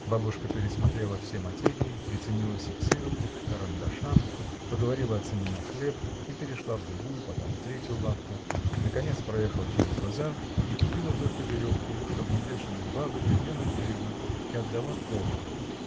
Бабушка пересмотрела все материи, приценилась и к сыру, и к карандашам, поговорила о цене на хлеб и перешла в другую, потом в третью лавку, наконец, проехала через базар и купила только веревку, чтоб не вешали бабы белье на дерево, и отдала Прохору.